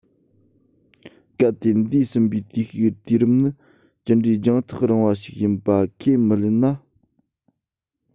གལ ཏེ འདས ཟིན པའི དུས རབས ནི ཅི འདྲའི རྒྱང ཐག རིང བ ཞིག ཡིན པ ཁས མི ལེན ན